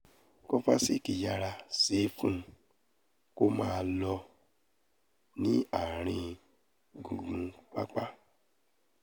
Kovacic yára ṣe fún-un-kó-máa-lọ ní ààrin-gùngùn pápá.